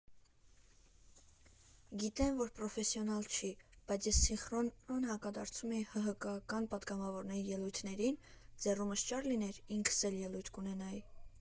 Գիտեմ, որ պրոֆեսիոնալ չի, բայց ես սինխրոն հակադարձում էի ՀՀԿ֊ական պատգամավորների ելույթներին, ձեռումս ճար լիներ՝ ինքս էլ ելույթ կունենայի։